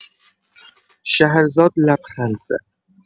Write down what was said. شهرزاد لبخند زد.